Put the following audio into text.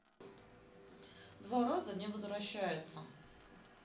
два раза не возвращается